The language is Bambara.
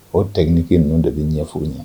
O tɛginiininkɛ ninnu de bɛ ɲɛfɔf ɲɛfɔ ɲɛ